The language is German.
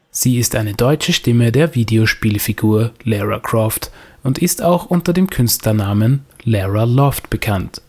Sie ist eine deutsche Stimme der Videospiel-Figur Lara Croft und ist auch unter dem Künstlernamen Lara Loft bekannt